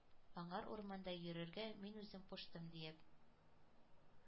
Аңар урманда йөрергә мин үзем куштым, диеп.